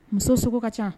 Muso sugu ka ca